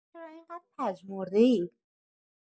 چرا انقدر پژمرده‌ای؟